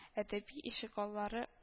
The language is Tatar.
“әдәби ишегаллары”